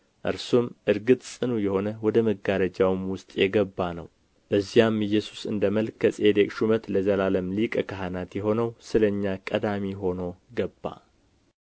እርሱም እርግጥና ጽኑ የሆነ ወደ መጋረጃውም ውስጥ የገባ ነው በዚያም ኢየሱስ እንደ መልከ ጼዴቅ ሹመት ለዘላለም ሊቀ ካህናት የሆነው ስለ እኛ ቀዳሚ ሆኖ ገባ